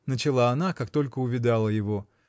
-- начала она, как только увидала его.